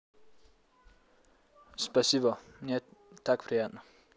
спасибо мне так приятно